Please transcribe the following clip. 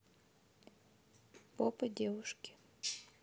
попа девушки